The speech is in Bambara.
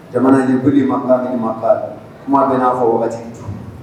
Jamana in ko ma ni kuma bɛ n'a fɔ